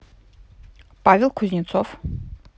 павел кузнецов